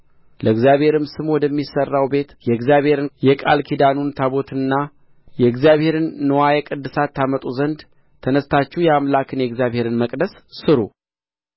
ለእግዚአብሔርም ስም ወደሚሠራው ቤት የእግዚአብሔርን የቃል ኪዳኑን ታቦትና የእግዚአብሔርን ንዋየ ቅድሳት ታመጡ ዘንድ ተነሥታችሁ የአምላክን የእግዚአብሔርን መቅደስ ሥሩ